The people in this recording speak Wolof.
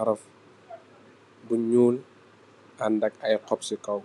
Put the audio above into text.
araf bu ñuul ànda ak ay xop ci kaw.